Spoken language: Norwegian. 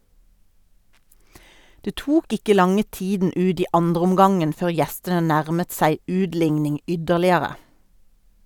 Det tok ikke lange tiden ut i andreomgangen før gjestene nærmet seg utlikning ytterligere.